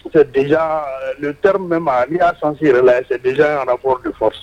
C'est dejà le teme meme n'i 'a sens yɛrɛ lajɛ c'est dejà un rapport de force